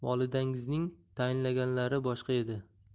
volidangizning tayinlaganlari boshqa edi